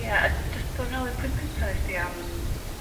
Ia a jys' dod nol i'r pwynt cynta' nest di am